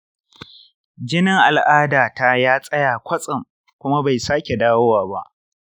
jinin al’adata ya tsaya kwatsam kuma bai sake dawowa ba.